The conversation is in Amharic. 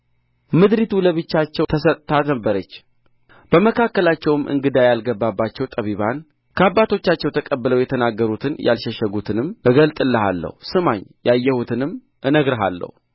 ምድሪቱ ለብቻቸው ተሰጥታ የነበረች በመካከላቸውም እንግዳ ያልገባባቸው ጠቢባን ከአባቶቻቸው ተቀብለው የተናገሩትን ያልሸሸጉትንም እገልጥልሃለሁ ስማኝ ያየሁትንም እነግርሃለሁ